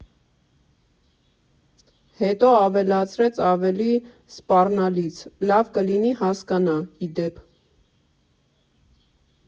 ֊ Հետո ավելացրեց ավելի սպառնալից, ֊ Լավ կլինի հասկանա, ի դեպ։